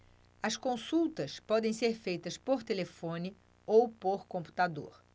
as consultas podem ser feitas por telefone ou por computador